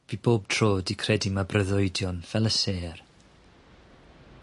fi bob tro 'di credu ma' breuddwydion fel y sêr.